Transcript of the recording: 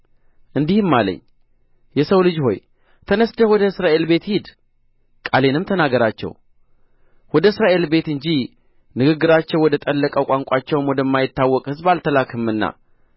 እንዲህም አለኝ የሰው ልጅ ሆይ ተነሥተህ ወደ እስራኤል ቤት ሂድ ቃሌንም ተናገራቸው ወደ እስራኤል ቤት እንጂ ንግግራቸው ወደ ጠለቀው ቋንቋቸውም ወደማይታወቅ ሕዝብ አልተላክህምና